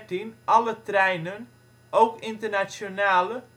1913 alle treinen, ook internationale